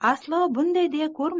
aslo bunday deya korma